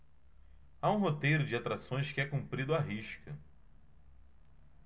há um roteiro de atrações que é cumprido à risca